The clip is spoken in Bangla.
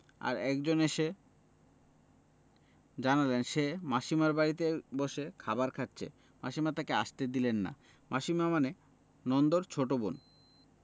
আর একজন এসে জানালেন সে মাসীমার বাড়িতে বসে খাবার খাচ্ছে মাসীমা তাকে আসতে দিলেন নামাসিমা মানে নন্দর ছোট বোন